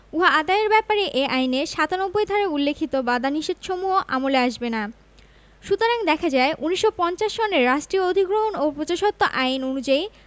উহা আদায়ের ব্যাপারে এ আইনের ৯৭ ধারায় উল্লেখিত বাধানিষেধসমূহ আমলে আসবেনা সুতরাং দেখা যায় ১৯৫০ সনের রাষ্ট্রীয় অধিগ্রহণ ও প্রজাস্বত্ব আইন অনুযায়ী